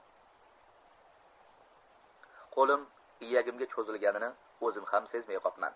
qo'lim iyagimga cho'zilganini o'zim ham sezmay qoldim